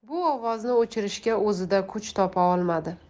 bu ovozni o'chirishga o'zida kuch topa olmadi